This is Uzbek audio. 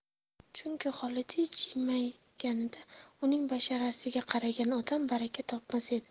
chunki xolidiy jilmayganida uning basharasiga qaragan odam baraka topmas edi